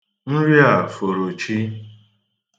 Nri a foro chi.